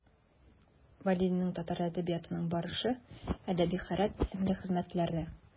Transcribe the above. Вәлидинең «Татар әдәбиятының барышы» (1912), «Әдәби хәрәкәт» (1915) исемле хезмәтләре.